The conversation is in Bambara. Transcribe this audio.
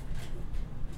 I